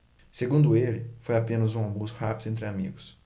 segundo ele foi apenas um almoço rápido entre amigos